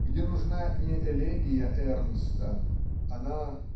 где нужна не элегия Эрнста она